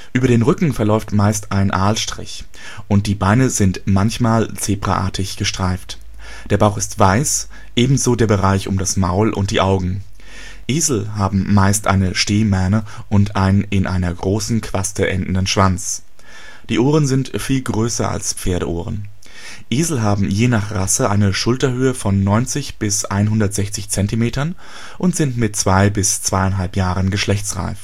Über den Rücken verläuft meistens ein Aalstrich, und die Beine sind manchmal zebraartig gestreift. Der Bauch ist weiß; ebenso der Bereich um das Maul und die Augen. Esel haben meist eine Stehmähne und einen in einer großen Quaste endenden Schwanz. Die Ohren sind viel größer als Pferdeohren. Esel haben je nach Rasse eine Schulterhöhe von 90 bis 160 cm und sind mit 2 bis 2½ Jahren geschlechtsreif